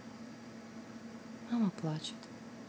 мама плачет